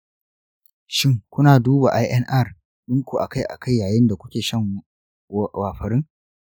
shin, kuna duba inr ɗinku akai-akai yayin da kuke shan warfarin?